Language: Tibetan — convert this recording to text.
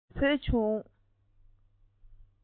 ལི ལི ཞེས ང ཚོར བོས བྱུང